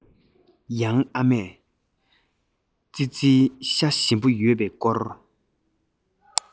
ཡང ཨ མས ཙི ཙིའི ཤ ཞིམ པོ ཡོད པའི སྐོར